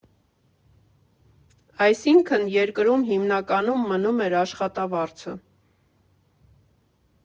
Այսինքն՝ երկրում հիմնականում մնում էր աշխատավարձը։